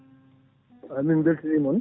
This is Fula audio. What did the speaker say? amin beltani moon